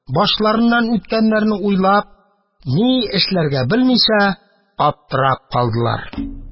Башларыннан үткәннәрне уйлап, ни эшләргә белмичә аптырап калдылар.